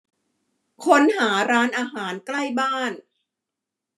ค้นหาร้านอาหารใกล้บ้าน